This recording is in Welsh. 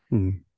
Mm.